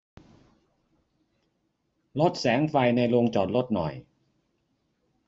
ลดแสงไฟในโรงจอดรถหน่อย